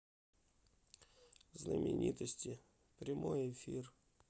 знаменитости прямой эфир